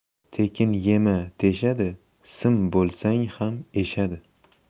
tekin yema teshadi sim bo'lsang ham eshadi